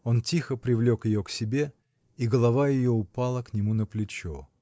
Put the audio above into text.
он тихо привлек ее к себе, и голова ее упала к нему на плечо.